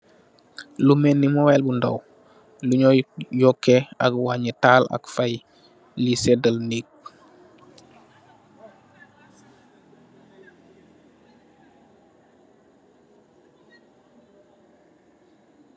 Lumel ni mobile bu ndaw, bu nyo yokey ak wanye, taal ak fey lui sedal nek